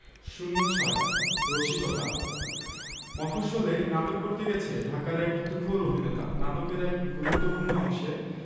কী আঁচল বিছায়েছ বটের মূলে নদীর কূলে কূলে মা তোর মুখের বাণী আমার কানে লাগে সুধার মতো মরিহায় হায়রে মা তোর বদন খানি মলিন হলে ওমা আমি নয়ন